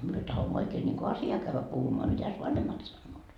me tahdomme oikein niin kuin asiaa käydä puhumaan mitäs vanhemmat sanovat